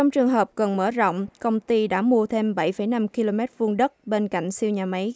trong trường hợp cần mở rộng công ty đã mua thêm bảy phẩy năm km vuông đất bên cạnh siêu nhà máy